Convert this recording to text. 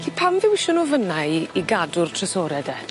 'Lly pam ddewision nw fyn 'na i i gadw'r trysore de?